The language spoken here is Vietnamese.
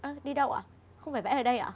ơ đi đâu ạ không phải vẽ ở đây ạ